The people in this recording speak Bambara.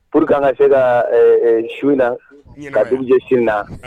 Purkan ka se ka su in na kaurujɛ sini na